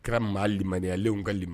U kɛra lam ale kali